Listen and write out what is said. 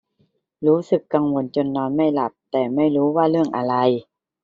รู้สึกกังวลจนนอนไม่หลับแต่ไม่รู้ว่าเรื่องอะไร